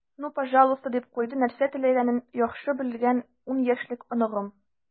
"ну пожалуйста," - дип куйды нәрсә теләгәнен яхшы белгән ун яшьлек оныгым.